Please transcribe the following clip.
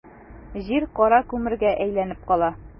Җир кара күмергә әйләнеп кала.